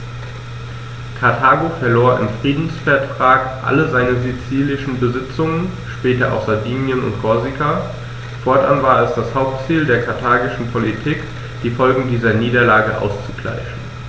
Karthago verlor im Friedensvertrag alle seine sizilischen Besitzungen (später auch Sardinien und Korsika); fortan war es das Hauptziel der karthagischen Politik, die Folgen dieser Niederlage auszugleichen.